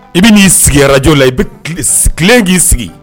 I bɛ n'i sigij la i tilen k'i sigi